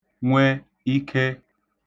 nwe ike